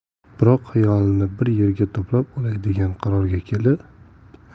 biroq xayolimni bir yerga to'plab olay degan